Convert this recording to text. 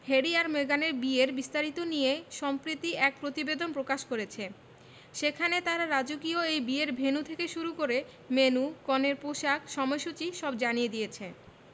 Harry আর মেগানের বিয়ের বিস্তারিত নিয়ে সম্প্রিতি এক প্রতিবেদন প্রকাশ করেছে সেখানে তারা রাজকীয় এই বিয়ের ভেন্যু থেকে শুরু করে মেন্যু কনের পোশাক সময়সূচী সব জানিয়ে দিয়েছে